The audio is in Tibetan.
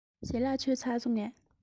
ཞལ ལག ཁ ལག མཆོད བཞེས ཚར སོང ངས